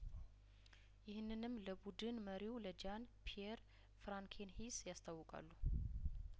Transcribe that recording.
ይህንንም ለቡድን መሪው ለጃን ፒየር ፍራንኬንኂስ ያስታውቃሉ